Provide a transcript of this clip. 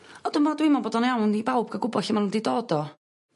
o dwi me'wl dwi' me'wl bod o'n iawn i bawb ga'l gwbo lle ma' n'w 'di dod o